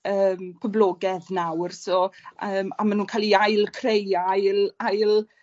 yym poblogedd nawr so yym a ma' nw'n ca'l 'u ail creu a ail ail